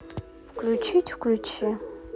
включить включи